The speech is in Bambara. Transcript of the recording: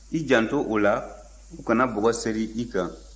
i jan to o la u kana bɔgɔ seri i kan